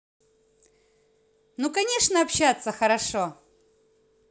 ну конечно общаться хорошо